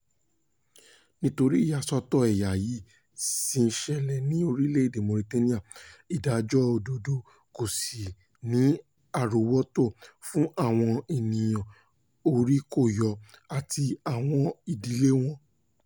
Nítorí ìyàsọ́tọ̀ ẹ̀yà yìí ṣì ń ṣẹlẹ̀ ní orílẹ̀-èdè Mauritania, ìdájọ́ òdodo kò sí ní àrọ́wọ́tó fún àwọn ẹni orí-kó-yọ àti àwọn ìdílé wọn.